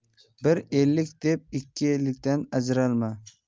bir ellik deb ikki ellikdan ajrama